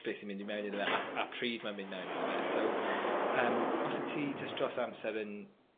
beth sy'n mynd i mewn iddo fe a p- a pryd ma' mynd mewn iddo fe so yym os wyt ti jys dros amser yn